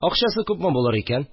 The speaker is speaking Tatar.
Акчасы күпме булыр икән